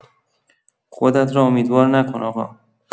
خودت را امیدوار نکن آقا.